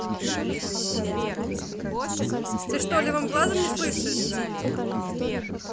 ты что левым глазом не слышишь